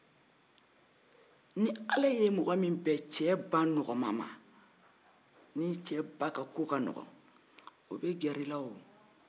ni ala ye mɔgɔ min bɛn cɛ ba ma min ka ko ka nɔgɔ o bɛ gɛrɛ i la